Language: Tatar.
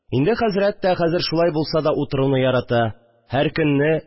Инде хәзрәт тә хәзер шулай булса да утыруны ярата, һәр көнне